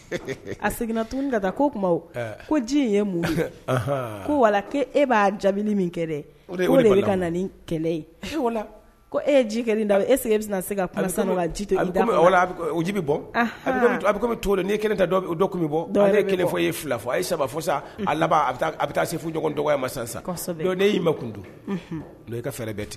A seginna t ka taa koo tuma ko ji in ye mun ko wala ko e b'a jaabi min kɛ dɛ ka na ni kɛlɛ e ji da e e bɛ se ka ji bɔ bɛ cogo n ni kelen ta dɔ bɛ bɔ kelen fɔ ye fila fɔ a ye saba fo sa a laban a bɛ taa se fo tɔgɔ ye ma san sa y'i ma kuntu i ka fɛɛrɛ bɛɛ tigɛ